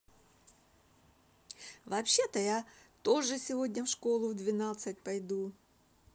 вообще то я тоже сегодня в школу в двенадцать пойду